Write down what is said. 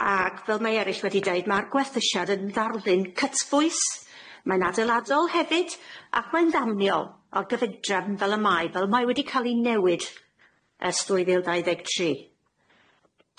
Ag fel mae erill wedi'i deud ma'r gwerthusiad yn ddarlun cytbwys, mae'n adeiladol hefyd, ac mae'n ddamniol o'r gyfudrefn fel y mae, fel ma'i wedi ca'l 'i newid ers dwy fil dau ddeg tri.